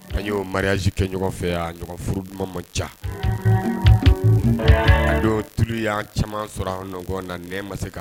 An y'o mariaz kɛ ɲɔgɔn fɛ a ɲɔgɔn furu duman ca tulu y'an caman sɔrɔ nɔgɔ na n ma se kan